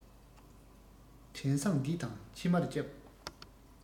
བྲན བཟང འདི དང ཕྱི མར བསྐྱབས